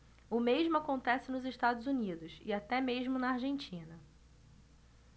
o mesmo acontece nos estados unidos e até mesmo na argentina